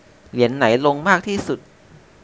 เหรียญไหนลงมากที่สุด